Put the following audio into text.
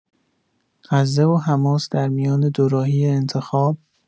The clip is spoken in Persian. غزه و حماس درمیان دوراهی انتخاب؟